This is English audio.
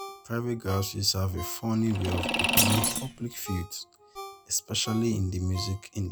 Private grouses have a funny way of becoming public feuds — especially in the music industry.